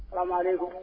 salaamaaleykum